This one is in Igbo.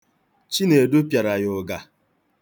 Chinedu pịara ya ụga.